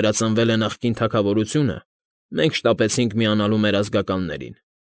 Վերածնվել է նախկին թագավորությունը, մենք շտապեցինք միանալու մեր ազգականներին։